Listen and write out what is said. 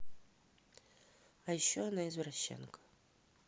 а еще она извращенка